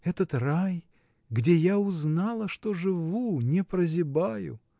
этот рай, где я узнала, что живу, не прозябаю.